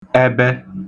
ẹbẹ